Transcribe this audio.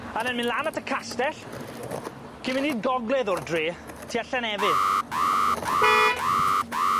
myn' lan at y castell cyn myn' i'r gogledd o'r dre tua Llanefydd.